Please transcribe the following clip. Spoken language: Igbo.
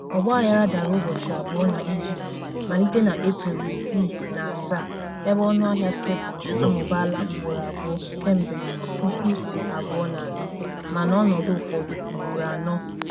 Ọgbaghara dara ụbọchị abụọ na Egypt, malite na Eprel 6 na 7, ebe ọnụahịa staples amụbaala ugboro abụọ kemgbe 2004 (ma n'ọnọdụ ụfọdụ ugboro anọ).